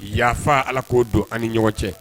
Yafa ala k'o don an ni ɲɔgɔn cɛ